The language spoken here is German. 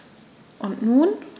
Und nun?